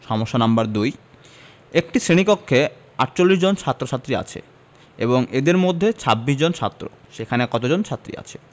সমস্যা নাম্বার ২ একটি শ্রেণি কক্ষে ৪৮ জন ছাত্ৰ ছাত্ৰী আছে এবং এদের মধ্যে ২৬ জন ছাত্র সেখানে কতজন ছাত্রী আছে